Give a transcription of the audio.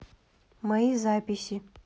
мои записи